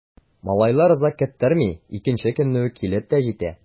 Малайлар озак көттерми— икенче көнне үк килеп тә җитә.